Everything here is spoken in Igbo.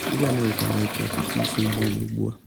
Ndị America na eche ọtụtụ isi mgbanwe ugbu a.